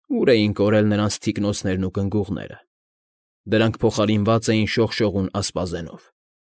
Ո՞ւր էին կորել նրանց թիկնոցներն ու կնգուղները։ Դրանք փոխարինված էին շողշողուն ասպազենով։